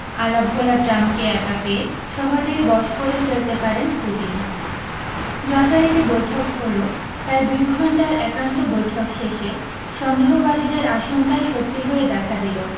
আলাভোলা ট্রাম্পকে একা পেয়ে সহজেই বশ করে ফেলতে পারেন পুতিন যথারীতি বৈঠক হলো প্রায় দুই ঘণ্টার একান্ত বৈঠক শেষে সন্দেহবাদীদের আশঙ্কাই সত্যি হয়ে দেখা দিল